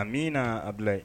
A amiina na a bila